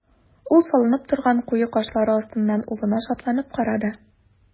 Ул салынып торган куе кашлары астыннан улына шатланып карады.